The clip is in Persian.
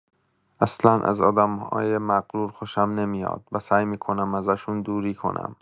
اصلا از آدمای مغرور خوشم نمیاد و سعی می‌کنم ازشون دوری کنم.